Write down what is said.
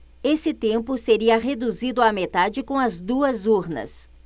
esse tempo seria reduzido à metade com as duas urnas